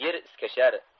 yer iskashar